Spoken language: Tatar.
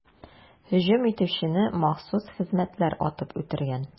Һөҗүм итүчене махсус хезмәтләр атып үтергән.